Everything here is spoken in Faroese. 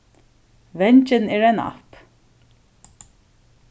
vangin er ein app